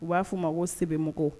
U b'a f' ma ko sebemɔgɔw